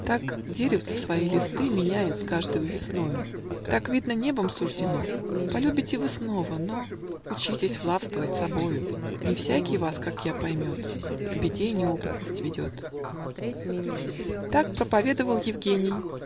Так деревцо свои листы Меняет с каждою весною. Так видно небом суждено. Полюбите вы снова: но. Учитесь властвовать собою Не всякий вас, как я, поймет К беде неопытность ведет". Так проповедовал Евгений.